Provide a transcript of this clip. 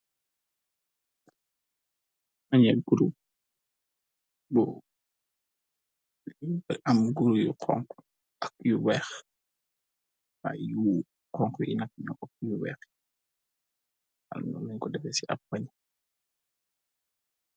Pajjeh guruh bu am guruh yu xonxu ak yu wèèx, wai yu xonxu yi ño apuh yu wèèx yi, ñiñ ko Des ci birr pañeh.